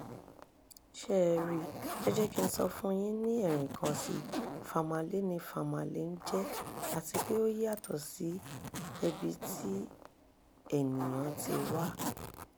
Ṣé ẹ rí i , ẹ jẹ́ kí n sọ fún un yín ní ẹ̀rìnkan sí i, famalay ni famalay ń jẹ́ àti pé ó yàtọ̀ sí ẹbí tí ènìyàn ti wá